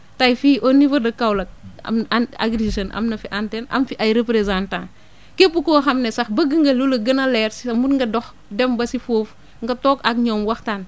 tey fii au niveau de Kaolack am na an Agri Jeunes am na fi antenne am fi ay représentants képp koo xam ne sax bëgg nga lu la gën a leer si sa mun nga dox dem ba si foofu nga toog ak ñoom waxtaan